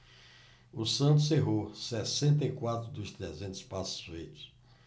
o santos errou sessenta e quatro dos trezentos passes feitos